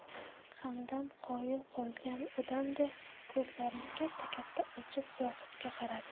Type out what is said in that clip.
hamdam qoyil qolgan odamday ko'zlarini katta katta ochib zohidga qaradi